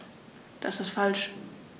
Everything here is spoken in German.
Das ist falsch.